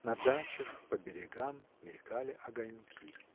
На дачах по берегам мелькали огоньки.